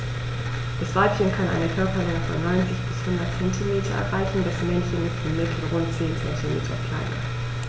Das Weibchen kann eine Körperlänge von 90-100 cm erreichen; das Männchen ist im Mittel rund 10 cm kleiner.